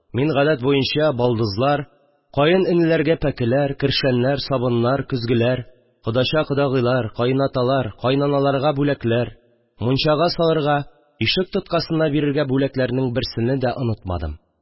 . мин, гадәт буенча, балдызлар, каенеләргә пәкеләр, кершәннәр, сабыннар, көзгеләр; кодача-кодагылар, каенаталар, каенаналар- 255 га бүләкләр; мунчага салырга, ишек тоткасына бирергә бүләкләрнең берсене дә онытмадым